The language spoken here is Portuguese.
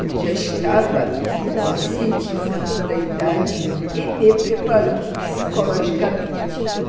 já estava me conscientizando da idade e me preparando psicologicamente